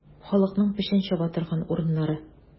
Халыкның печән чаба торган урыннары.